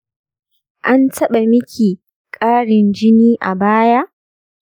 an taba miki karin jini a baya?